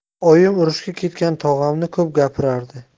oyim urushga ketgan tog'amni ko'p gapirardi